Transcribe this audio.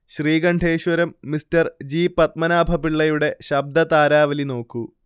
Sreekanteswaram mister G പത്മനാഭപിള്ളയുടെ ശബ്ദതാരാവലി നോക്കൂ